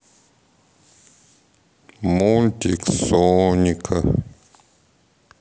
мультик соника